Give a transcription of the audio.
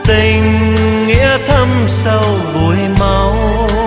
tình nghĩa thâm sâu vùi mau